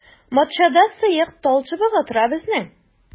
Матчада сыек талчыбыгы тора безнең.